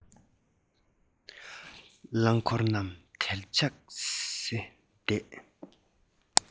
རླངས འཁོར རྣམས དལ འཇགས སེ བསྡད